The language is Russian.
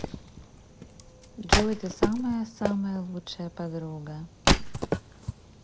джой ты самая самая лучшая подруга